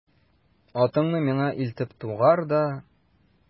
Атыңны миңа илтеп тугар да...